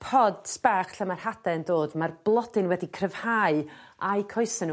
pods bach lle ma'r hade yn dod ma'r blodyn wedi cryfhau a'u coese n'w